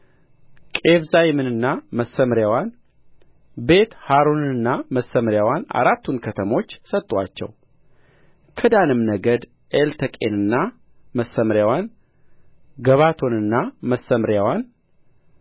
ቂብጻይምንና መሰምርያዋን ቤትሖሮንንና መሰምርያዋን አራቱን ከተሞች ሰጡአቸው ከዳንም ነገድ ኤልተቄንና መሰምርያዋን ገባቶንንና መሰምርያዋን